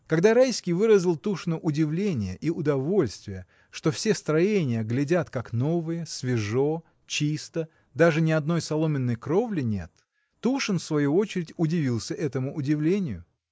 Когда Райский выразил Тушину удивление и удовольствие, что все строения глядят, как новые, свежо, чисто, даже ни одной соломенной кровли нет, Тушин, в свою очередь, удивился этому удивлению.